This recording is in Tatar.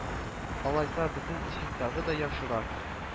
Алайса безнең өчен тагы да яхшырак